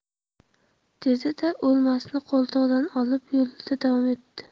dedi da o'lmasni qo'ltig'idan olib yo'lida davom etdi